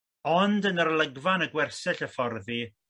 ond yn yr olygfa yn y gwersyll hyfforddi